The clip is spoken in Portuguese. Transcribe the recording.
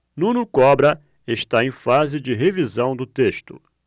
nuno cobra está em fase de revisão do texto